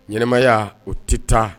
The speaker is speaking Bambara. Ɲɛnamaya o tetaa